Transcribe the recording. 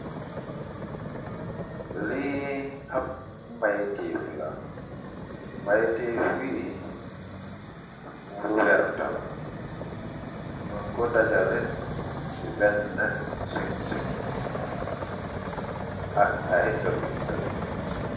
Lii ab mbayitiif la mbaytief yi lu wertala ñyung ko dajaleh ci benna sing-sing ak ay dogit-dogit.